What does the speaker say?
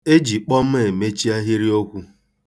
E ji kpọm emechi ahịrịokwu.